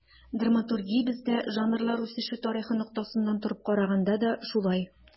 Драматургиябездә жанрлар үсеше тарихы ноктасынан торып караганда да шулай.